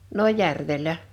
no järvellä